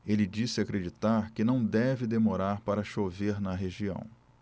ele disse acreditar que não deve demorar para chover na região